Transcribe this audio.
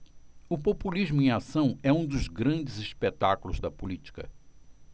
o populismo em ação é um dos grandes espetáculos da política